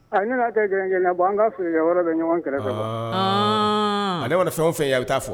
Ɔ yani ka kɛ yɛnɛbɔ bɛ ɲɔgɔn kɛrɛfɛ ale sababu fɛ yan a bɛ taa fɔ